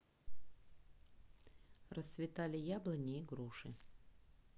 расцветали яблони и груши